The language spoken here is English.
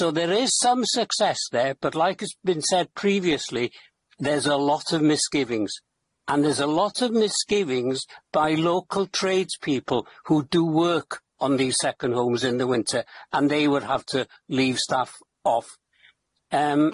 So there is some success there, but like has been said previously, there's a lot of misgivings, and there's a lot of misgivings by local tradespeople who do work on these second homes in the winter and they would have to leave staff off. Um.